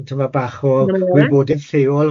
Tymed dyma bach o wybodaeth lleol fanna.